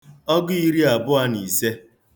ọgụ iri abụọ na ise